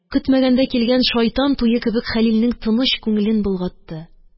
Көтмәгәндә килгән шайтан туе кебек, хәлилнең тыныч күңелен болгатты